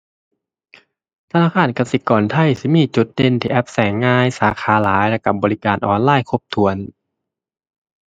ธนาคารกสิกรไทยสิมีจุดเด่นที่แอปใช้ง่าย สาขาหลายแล้วใช้บริการออนไลน์ครบถ้วน